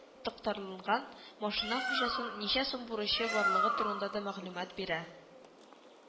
Токтарланган машина хуҗасын ничә сум бурычы барлыгы турында да мәгълүмат бирә